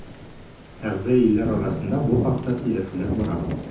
Әгъза илләр арасында бу хакта сөйләшүләр бара.